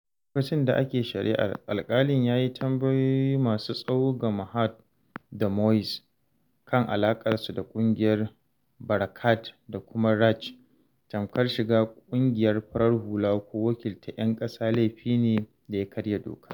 Lokacin da ake shari’ar, alƙalin ya yi tambayoyi masu tsawo ga Mohand da Moez kan alaƙar su da ƙungiyar “Barakat!” da kuma RAJ, tamkar shiga ƙungiyar farar hula ko wakiltar ‘yan ƙasa laifi ne da ya karya doka.”